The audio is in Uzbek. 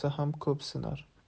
ham ko'p sinar